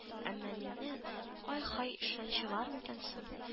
Әмма миннән, ай-һай, ишан чыгар микән соң